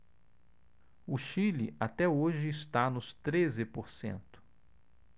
o chile até hoje está nos treze por cento